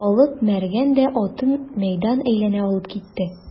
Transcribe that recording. Алып Мәргән дә атын мәйдан әйләнә алып китте.